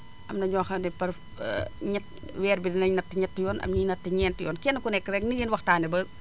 am na ñoo xam ne par ñett weer bi dinañu natt ñetti yoon am na ñuy natt ñeenti yoon kenn ku nekk rek ni ngeen waxtaanee ba